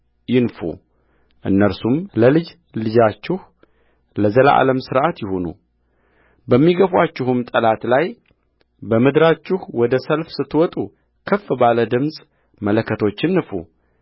ይንፉ እነርሱም ለልጅ ልጃችሁ ለዘላለም ሥርዓት ይሁኑበሚገፋችሁም ጠላት ላይ በምድራችሁ ወደ ሰልፍ ስትወጡ ከፍ ባለ ድምፅ መለከቶቹን ንፉ